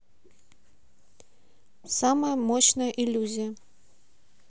самая мощная иллюзия